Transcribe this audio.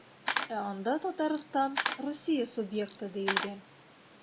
Ә анда Татарстан Русия субъекты диелгән.